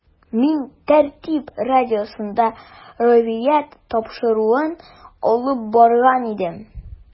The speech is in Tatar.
“мин “тәртип” радиосында “риваять” тапшыруын алып барган идем.